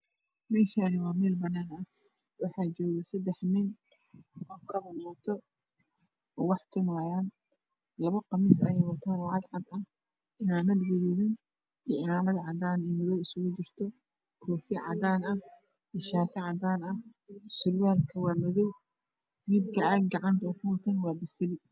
Meshaan waa meel panaan ah waxaa jooga sadax nin moto wax tin hayaan lapa qamiis bey wataan oo cadaana hfunaand guduudan iyo cimaamad cadaan ah iyo koofi cadaana h iyo shaati cadaana ah surwaalka waa madow caaga gacnta uu ku watana waa oasali